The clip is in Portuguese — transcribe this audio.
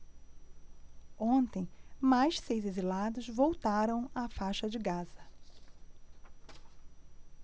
ontem mais seis exilados voltaram à faixa de gaza